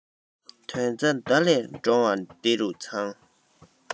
དོན རྩ མདའ ལས འདྲོང བ དེ རུ ཚང